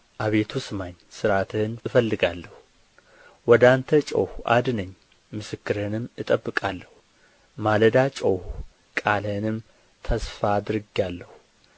አቤቱ ስማኝ ሥርዓትህን እፈልጋለሁ ወደ አንተ ጮኽሁ አድነኝ ምስክርህንም እጠብቃለሁ ማለዳ ጮኽሁ ቃልህንም ተስፋ አድርጌአለሁ